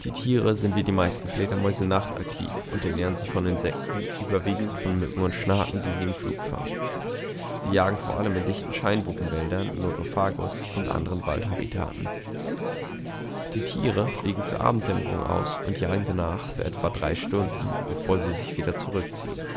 Tiere sind wie die meisten Fledermäuse nachtaktiv und ernähren sich von Insekten, überwiegend von Mücken und Schnaken, die sie im Flug fangen. Sie jagen vor allem in dichten Scheinbuchenwäldern (Nothofagus) und anderen Waldhabitaten. Die Tiere fliegen zur Abenddämmerung aus und jagen danach für etwa drei Stunden, bevor sie sich wieder zurückziehen